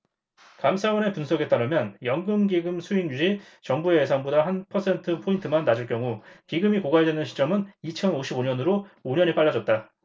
감사원의 분석에 따르면 연금기금수익률이 정부의 예상보다 한 퍼센트포인트만 낮을 경우 기금이 고갈되는 시점은 이천 오십 오 년으로 오 년이 빨라졌다